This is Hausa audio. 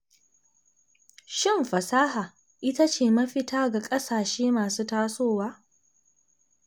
Shin fasaha ita ce mafita ga ƙasashe masu tasowa?